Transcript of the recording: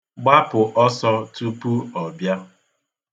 Gbapụ ọsọ tupu ọ bịa